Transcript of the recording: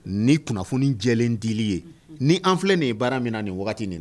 Ni kunnafoni jɛlen dili ye ni an filɛ nin ye baara min na nin waati wagati nin na